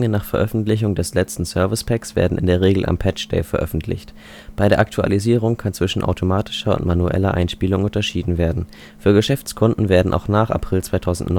nach Veröffentlichung des letzten Service Packs werden in der Regel am Patch Day veröffentlicht. Bei der Aktualisierung kann zwischen automatischer und manueller Einspielung unterschieden werden. Für Geschäftskunden werden auch nach April 2009